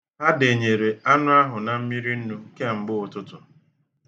Ha denyere anụ ahụ na mmiri nnu kemgbe ụtụtụ.